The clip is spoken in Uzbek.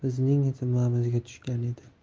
mehnati bizning zimmamizga tushgan edi